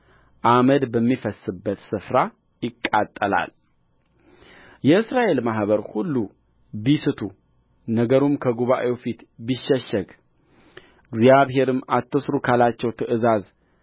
አመድ በሚፈስስበት ስፍራ ይቃጠላልየእስራኤል ማኅበር ሁሉ ቢስቱ ነገሩም ከጉባኤው ፊት ቢሸሸግ እግዚአብሔርም አትሥሩ ካላቸው ትእዛዛት